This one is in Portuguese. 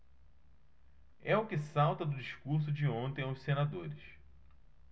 é o que salta do discurso de ontem aos senadores